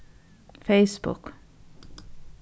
facebook